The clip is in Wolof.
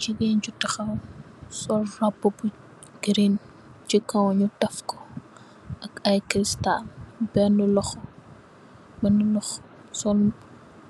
Jigeen ju takhaw sol robu bu giriin ci kaw nyu tafko, ak ay crystal, benna loxo, sol